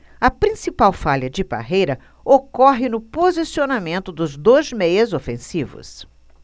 a principal falha de parreira ocorre no posicionamento dos dois meias ofensivos